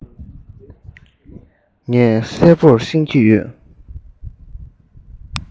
ངས གསལ པོར ཤེས ཀྱི ཡོད